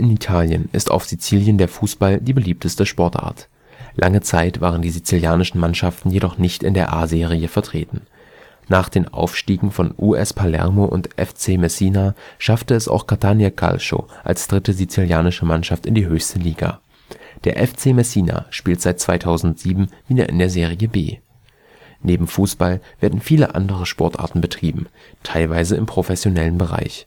Italien ist auf Sizilien der Fußball die beliebteste Sportart. Lange Zeit waren die sizilianischen Mannschaften jedoch nicht in der Serie A vertreten. Nach den Aufstiegen von US Palermo und FC Messina schaffte es auch Catania Calcio als dritte sizilianische Mannschaft in die höchste Liga. Der FC Messina spielt seit 2007 wieder in der Serie B. Neben Fußball werden viele andere Sportarten betrieben, teilweise im professionellen Bereich